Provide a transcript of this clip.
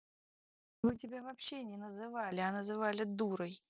лучше бы тебя вообще не называли а называли дурой